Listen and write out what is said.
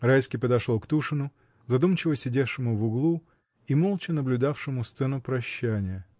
Райский подошел к Тушину, задумчиво сидевшему в углу и молча наблюдавшему сцену прощания.